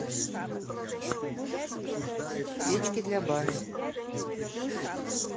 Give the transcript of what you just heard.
печки для бани